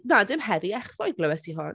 Na, dim heddi, echddoe glywes i hwn.